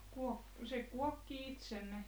- se kuokki itse ne